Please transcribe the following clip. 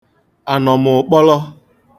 ànọ̀mụ̀kpọlọ